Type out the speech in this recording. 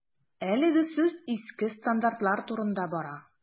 Әлегә сүз иске стандартлар турында бара.